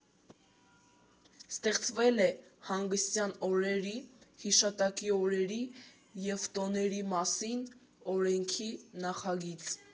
Ստեղծվել է հանգստյան օրերի, հիշատակի օրերի և տոների մասին օրենքի նախագիծ։